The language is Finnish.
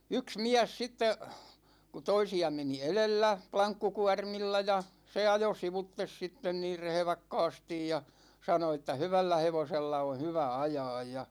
yksi mies sitten kun toisia meni edellä lankkukuormilla ja se ajoi sivuitse sitten niin rehvakkaasti ja sanoi että hyvällä hevosella on hyvä ajaa ja